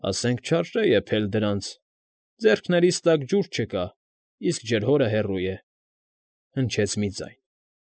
Ասենք չարժե եփել դրանց… Ձեռքներիս տակ ջուր չկա, իսկ ջրհորը հեռու է,֊ հնչեց մի ձայն։